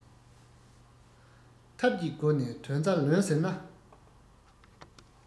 ཐབས ཀྱིས སྒོ ནས དོན རྩ ལོན ཟེར ན